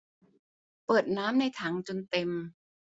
เปิดน้ำในถังจนเต็ม